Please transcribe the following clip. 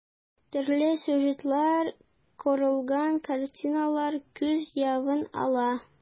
Төрле сюжетларга корылган картиналар күз явын ала.